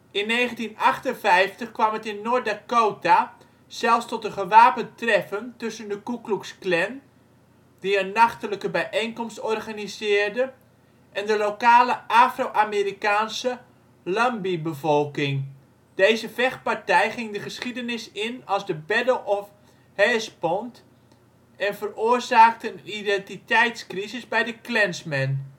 In 1958 kwam het in North Dakota zelfs tot een gewapend treffen tussen de Ku Klux Klan - die een nachtelijke bijeenkomst organiseerde - en de lokale Afro-Amerikaanse " Lumbee "- bevolking. Deze vechtpartij ging de geschiedenis in als de Battle of Hayes Pond en veroorzaakte een identiteitscrisis bij de Klansmen